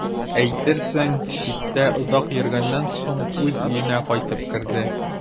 Әйтерсең, читтә озак йөргәннән соң үз өенә кайтып керде.